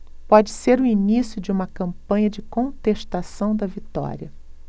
pode ser o início de uma campanha de contestação da vitória